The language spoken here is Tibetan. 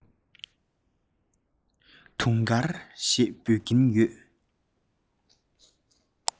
དུང དཀར ཞེས འབོད ཀྱིན ཡོད